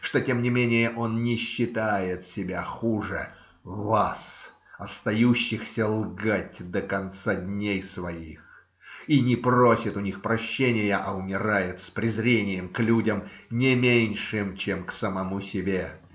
Что тем не менее он не считает себя хуже "вас, остающихся лгать до конца дней своих", и не просит у них прощения, а умирает с презрением к людям, не меньшим, чем к самому себе.